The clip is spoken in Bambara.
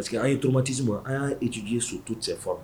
Parce que an ye tromatisme an y'a utiliser sur toutes ses formes